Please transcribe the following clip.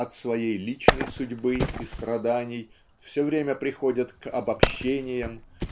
от своей личной судьбы и страданий все время приходят к обобщениям